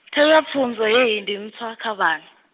theapfunzo hei ndi ntswa kha vhana.